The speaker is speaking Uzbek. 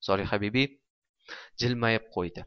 solihabibi jilmayib qo'ydi